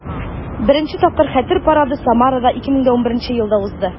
Беренче тапкыр Хәтер парады Самарада 2011 елда узды.